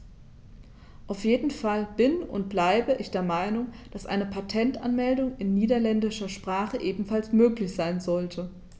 Auf jeden Fall bin - und bleibe - ich der Meinung, dass eine Patentanmeldung in niederländischer Sprache ebenfalls möglich sein sollte.